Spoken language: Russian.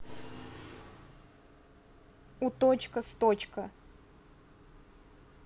у точка с точка